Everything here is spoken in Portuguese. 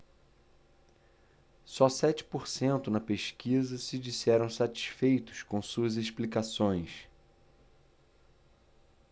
só sete por cento na pesquisa se disseram satisfeitos com suas explicações